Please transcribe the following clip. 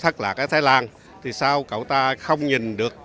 thất lạc ở thái lan thì sau cậu ta không nhìn được